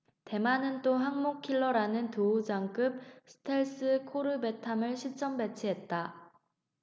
대만은 또 항모킬러라는 두오장급 스텔스 코르벳함을 실전배치했다